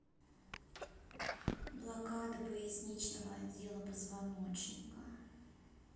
блокада поясничного отдела позвоночника